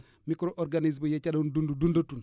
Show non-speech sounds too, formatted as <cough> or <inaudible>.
<breath> micro organisme yi ca doon dund dundatuñ